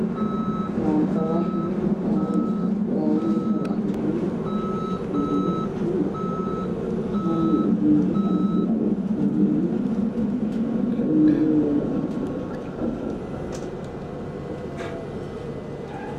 Waa guri jajabsan ka samaysan dhagax midabkiisu yahay madow waana guri qadiimi ah oo duqoobay